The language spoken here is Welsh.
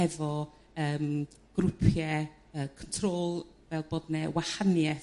efo yrm grwpie yrr *co' trol' fel bod 'ne wahanieth